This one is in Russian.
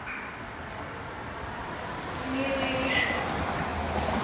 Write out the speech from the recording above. милые мишки